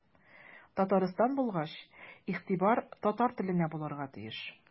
Татарстан булгач игътибар татар теленә булырга тиеш.